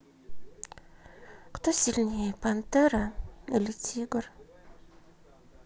кто сильнее пантера или тигр